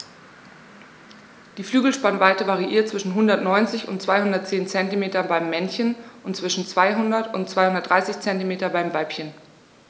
Die Flügelspannweite variiert zwischen 190 und 210 cm beim Männchen und zwischen 200 und 230 cm beim Weibchen.